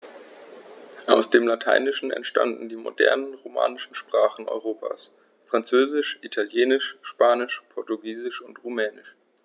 Aus dem Lateinischen entstanden die modernen „romanischen“ Sprachen Europas: Französisch, Italienisch, Spanisch, Portugiesisch und Rumänisch.